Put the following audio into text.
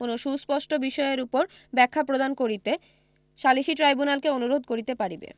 কোন সুস্পষ্ট বিষয়ের উপর ব্যাখ্যা প্রদান করিতে সালিসী ট্রাইব্যুনালকে অনুরোধ করিতে পারিবে